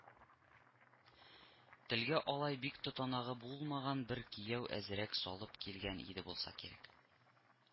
Телгә алай бик тотанагы булмаган бер кияү әзрәк салып килгән иде булса кирәк